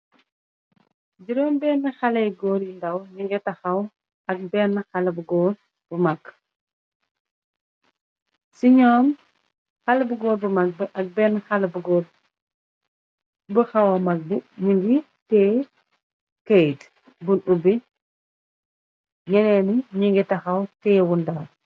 Jëréom benn Haley góor yu ndaw nu ngi tahaw ak benn haley bu góor bu mag, ci noom haley bu gòo bi mag bi ak benn bu hawa mag bi ñu ngi teh kayte bun ubbi ñeneeni ñi ngi tahaw tée wun dara.